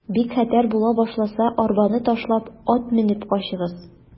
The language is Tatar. Бик хәтәр була башласа, арбаны ташлап, ат менеп качыгыз.